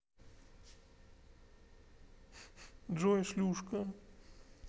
джой шлюшка